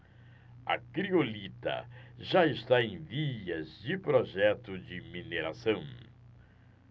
a criolita já está em vias de projeto de mineração